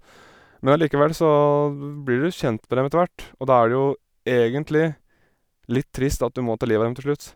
Men allikevel så blir du kjent med dem etter hvert, og da er det jo egentlig litt trist at du må ta liv av dem til slutt.